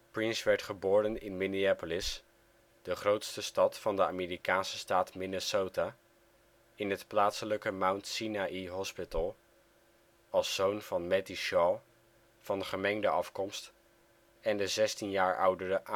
Prince werd geboren in Minneapolis, de grootste stad van de Amerikaanse staat Minnesota, in het plaatselijke Mount Sinaï Hospital, als zoon van Mattie Shaw van gemengde afkomst en de zestien jaar oudere Afro-Amerikaanse/Italiaanse